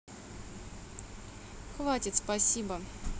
хватит спасибо